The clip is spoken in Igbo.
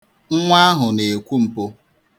Nwa ahụ na-ekwu mpụ.